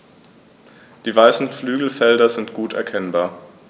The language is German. Die weißen Flügelfelder sind gut erkennbar.